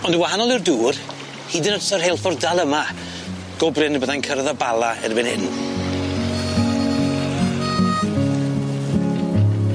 Ond yn wahanol i'r dŵr hyd yn o'd sa'r rheilffordd dal yma go brin y byddai'n cyrredd y Bala erbyn hyn.